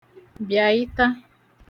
bị̀à ịta